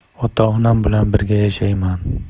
ota onam bilan birga yashayman